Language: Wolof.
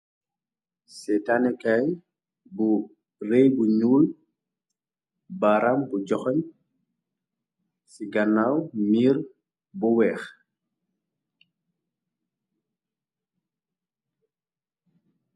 Ci tanikaay bu réy bu nyuul baram bu joxañ ci gannaaw miir bu weex.